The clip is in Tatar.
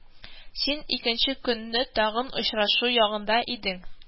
Син икенче көнне тагын очрашу ягында идең